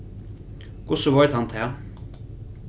hvussu veit hann tað